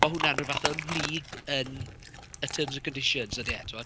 Ma' hwnna'n rhyw fath o ymhlyg yn y terms and conditions, odi e, timod.